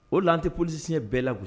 O laan tɛ polisiɲɛ bɛɛ la gosi